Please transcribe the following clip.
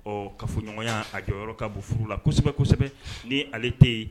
Ɔ kaa fɔɲɔgɔnya a jɔyɔrɔ ka bon furu la kosɛbɛ kosɛbɛ ni ale tɛ yen